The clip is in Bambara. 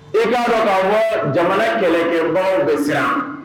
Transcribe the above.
I k'a dɔ k'a fɔɔ jamana kɛlɛkɛbagaw be siran